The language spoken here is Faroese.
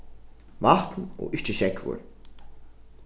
vatn og ikki sjógvur